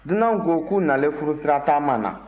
dunanw ko k'u nalen furusirataama na